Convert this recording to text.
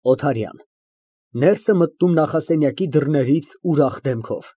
ՕԹԱՐՅԱՆ ֊ (Ներս է մտնում նախասենյակի դռնից ուրախ դեմքով)։